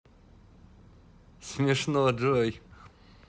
смешно джой